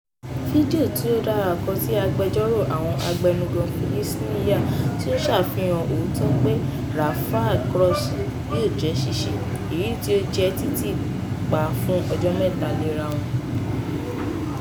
Fídíò tó dára kan tí àgbáríjọ àwọn abẹnugan Palestine yà tó ń ṣàfihàn òótò pé Rafah Crossing yóò jẹ́ ṣíṣí, èyí tí ó jẹ́ títì pa fún ọjọ́ mẹ́ta léra wọn.